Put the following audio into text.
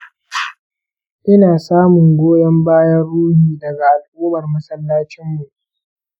ina samun goyon bayan ruhi daga al'ummar masallacinmu